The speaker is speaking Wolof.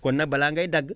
kon nag balaa ngay dagg